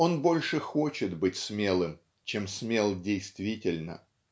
Он больше хочет быть смелым, чем смел действительно.